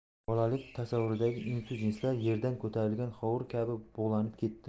bolalik tasavvuridagi insu jinslar yerdan ko'tarilgan hovur kabi bug'lanib ketdi